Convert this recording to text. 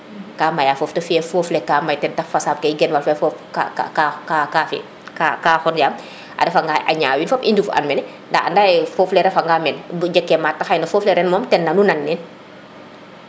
ka maya fofi te fiye foof le ka may ten tax fasaɓ ke genwal fe fop ka ka ka fi ka xon yaam a refa nga a ñaawin fop i nduuf an mene nda andaye fof le refa ngaŋ mene to jeg ke maata xayna fof le ren moom ten nanu nan neen